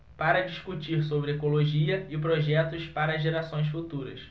para discutir sobre ecologia e projetos para gerações futuras